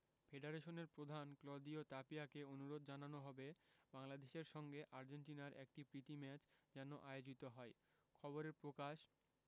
ফেডারেশনের প্রধান ক্লদিও তাপিয়াকে অনুরোধ জানানো হবে বাংলাদেশের সঙ্গে আর্জেন্টিনার একটি প্রীতি ম্যাচ যেন আয়োজিত হয় খবরে প্রকাশ